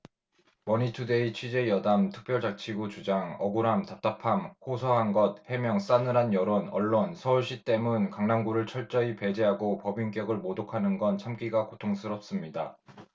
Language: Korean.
머니투데이 취재여담 특별자치구 주장 억울함 답답함 호소한 것 해명 싸늘한 여론 언론 서울시 때문 강남구를 철저히 배제하고 법인격을 모독하는 건 참기가 고통스럽습니다